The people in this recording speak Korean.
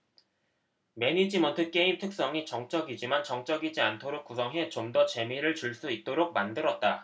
매니지먼트 게임 특성이 정적이지만 정적이지 않도록 구성해 좀 더 재미를 줄 수 있도록 만들었다